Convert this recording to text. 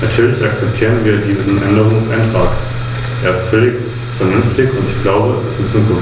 Damit wird man den Rufen nach mehr Transparenz bei der Verwendung der Gelder